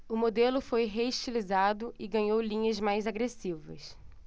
o modelo foi reestilizado e ganhou linhas mais agressivas